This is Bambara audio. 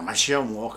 A siya mɔgɔ